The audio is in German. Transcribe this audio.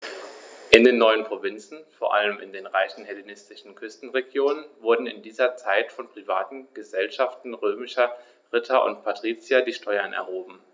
In den neuen Provinzen, vor allem in den reichen hellenistischen Küstenregionen, wurden in dieser Zeit von privaten „Gesellschaften“ römischer Ritter und Patrizier die Steuern erhoben.